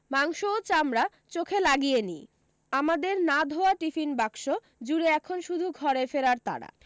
মাংসও চামড়া চোখে লাগিয়ে নি আমাদের না ধোওয়া টিফিন বাক্স জুড়ে এখন শুধু ঘরে ফেরার তাড়া